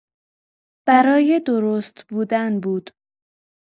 برای درست بودن بود.